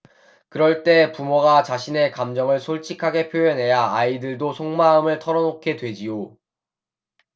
그럴 때 부모가 자신의 감정을 솔직하게 표현해야 아이들도 속마음을 털어 놓게 되지요